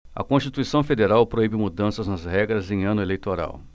a constituição federal proíbe mudanças nas regras em ano eleitoral